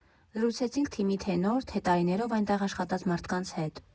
Զրուցեցինք թիմի թե՛ նոր, թե՛ տարիներով այնտեղ աշխատած մարդկանց հետ։